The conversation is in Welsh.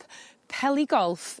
peli golff